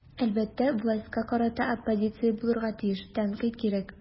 Әлбәттә, властька карата оппозиция булырга тиеш, тәнкыйть кирәк.